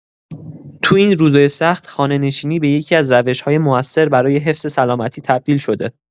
تو این روزای سخت، خانه‌نشینی به یکی‌از روش‌های مؤثر برای حفظ سلامتی تبدیل شده.